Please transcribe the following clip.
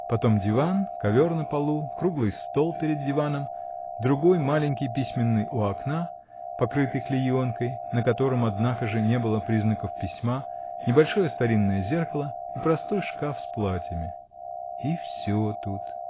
Потом диван, ковер на полу, круглый стол перед диваном, другой маленький письменный у окна, покрытый клеенкой, на котором, однако же, не было признаков письма, небольшое старинное зеркало и простой шкаф с платьями. И всё тут.